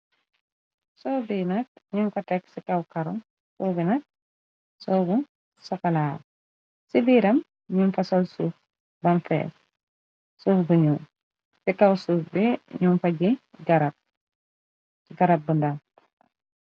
Séawo bi nak séawo bu socola njug ko tek ci kaw pérong ci ber séawo bi nak njugi fa def souf bu njul souf bi nak njung fa gii bena garab bu dawe